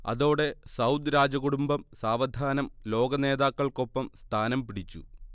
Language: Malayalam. അതോടെ സൗദ് രാജകുടുംബം സാവധാനം ലോക നേതാക്കൾക്കൊപ്പം സ്ഥാനം പിടിച്ചു